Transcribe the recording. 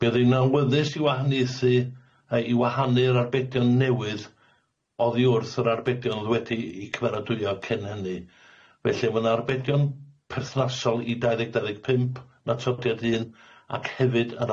Bydd hi'n anweddus i wahaneithu yy i wahanu'r arbedion newydd oddi wrth yr arbedion oddi wedi'u cyfaradwyo cyn hynny felly ma' na arbedion perthnasol i dau ddeg dau ddeg pump yn atodiad un ac hefyd yn